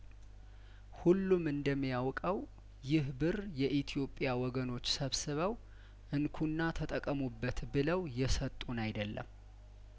ሁሉም እንደሚያውቀው ይህ ብር የኢትዮጵያ ወገኖች ሰብ ስበው እንኩና ተጠቀሙበት ብለው የሰጡን አይደለም